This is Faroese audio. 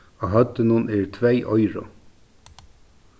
á høvdinum eru tvey oyru